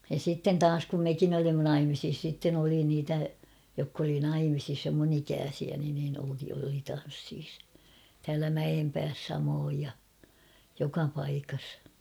ja sitten taas kun mekin olimme naimisissa sitten oli niitä jotka oli naimisissa jo minun ikäisiäni niin oli tansseissa täällä Mäenpäässä samoin ja joka paikassa